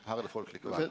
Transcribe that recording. her er det folk likevel.